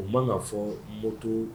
U ma' fɔ moto